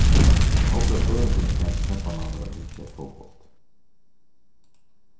ein hópur av føroyingum er farin til keypmannahavnar at hyggja at fótbólti